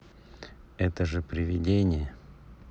это же приведение